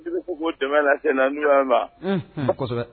Ko dɛmɛ la na ni a kosɛbɛ